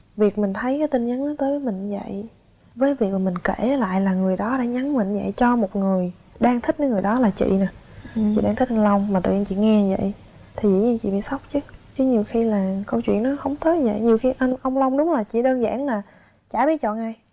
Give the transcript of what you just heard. việc mình thấy tin nhắn tới với mình như vậy với việc mình kể lại là người đó đã nhắn với mình như vậy cho một người đang thích cái người đó là chị nè chị đang thích anh long mà tự nhiên chị nghe vậy thì dĩ nhiên chị bị sốc chứ chứ nhiều khi là câu chuyện nó không tới như vậy nhiều khi anh ông long đúng là chỉ đơn giản là chả biết chọn ai